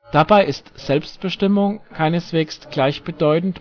Dabei ist Selbstbestimmung keineswegs gleichbedeutend